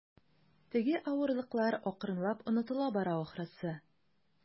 Теге авырлыклар акрынлап онытыла бара, ахрысы.